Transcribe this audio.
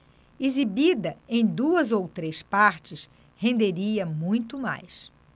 exibida em duas ou três partes renderia muito mais